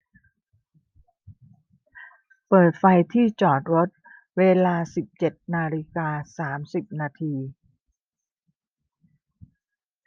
เปิดไฟที่จอดรถเวลาสิบเจ็ดนาฬิกาสามสิบนาที